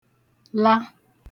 -la